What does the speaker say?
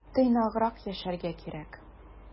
Тыйнаграк яшәргә кирәк.